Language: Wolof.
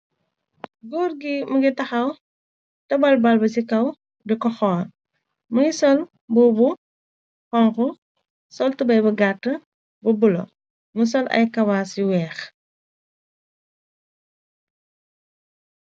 Góor gi mungi taxaw tobal ball bi ci kaw di ko fux mungi sol mboba bu xonxu sol tubay bu gàtt bu bulo mu sol ay kawaas ci weex.